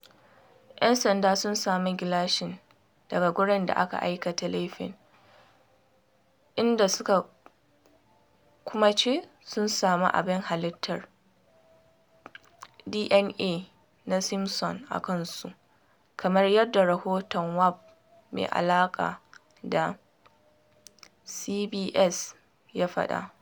‘Yan sanda sun sami gilashin daga wurin da aka aikata laifin inda suka kuma ce sun sami abin halittar DNA na Simpson a kansu, kamar yadda rahoton WAFB mai alaƙa da CBS ya faɗa.